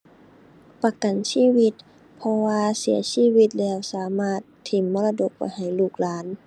ประกันชีวิต เพราะว่าเสียชีวิตแล้วสามารถถิ้มมรดกไว้ให้ลูกหลาน